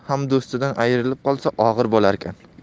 ham do'stidan ayrilib qolsa og'ir bo'larkan